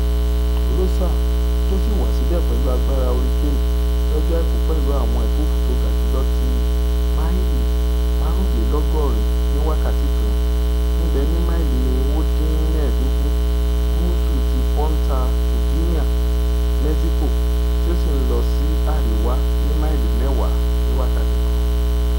Rosa, tósì wà síbẹ̀ pẹ̀lú agbára hurricane lọ́jọ́ Àìkú pẹ̀lú àwọn ẹ̀fúùfù tóga jùlọ ti máìlì máàrúnlélọ́gọ́rin ní wákàtí kan, ńbẹ ní máìlì irinwó-dín-mẹ́ẹ̀ẹ́dógún gúúsù ti Punta Eugenia, Mẹ́ṣíkò tí ó sì ńlọ sí àríwá ní máìlì mẹ́wàá ní wákàtí kan.